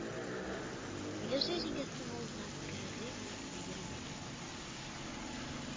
Миләүшә җиңгәсенең авызына керердәй булып йөгереп үк килде ул